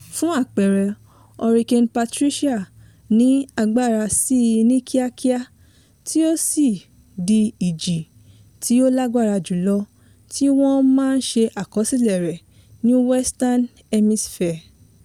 Fún àpẹẹrẹ, Hurricane Patricia ní agbára síi ní kíákíá tí ó sì di ìjì tí ó lágbára jùlọ tí wọ́n máa ṣe àkọsílẹ̀ rẹ̀ ní Western Hemisphere.